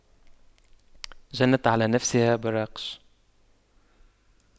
جنت على نفسها براقش